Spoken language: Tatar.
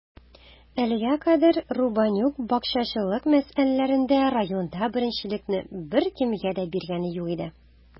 Әлегә кадәр Рубанюк бакчачылык мәсьәләләрендә районда беренчелекне беркемгә дә биргәне юк иде.